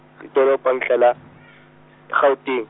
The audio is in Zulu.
idolobha ngihlala, e- Gauteng.